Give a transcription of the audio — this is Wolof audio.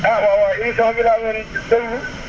ah waawaaw émission bi laa doon déglu